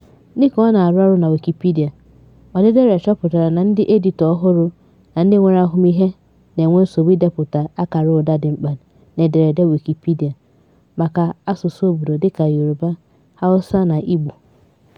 Dịka ọ na-arụ ọrụ na Wikipedia, Odedere chọpụtara na ndị editọ ọhụrụ na ndị nwere ahụmihe na-enwe nsogbu idepụta akara ụda dị mkpa n'ederede Wikipedia maka asụsụ obodo dịka Yoruba, Hausa, na Igbo.